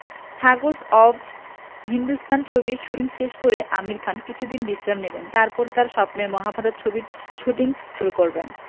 Thugs of Hindustan ছবির shooting শেষ করে আমির খান কিছুদিন বিশ্রাম নেবেন তারপর তাঁর স্বপ্নের মহাভারত ছবির শুটিং শুরু করবেন